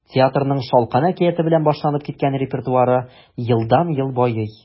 Театрның “Шалкан” әкияте белән башланып киткән репертуары елдан-ел байый.